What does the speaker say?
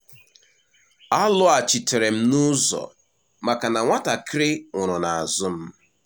"Alọghachitere m n'ụzọ maka na nwatakịrị nwụrụ n'azụ m."